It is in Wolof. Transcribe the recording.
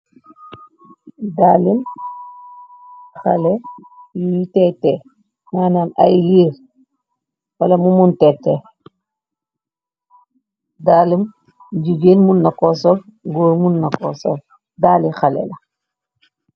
Daal Haley yu tètè, manam ya liir Bala mu mun tètè. Daal jigéen mun na ko sol, gòor mun na ko sol. Daali haley la.